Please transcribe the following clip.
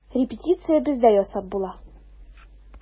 Репетиция бездә ясап була.